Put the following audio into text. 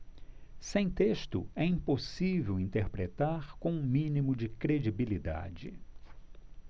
sem texto é impossível interpretar com o mínimo de credibilidade